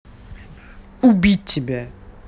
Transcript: убить тебя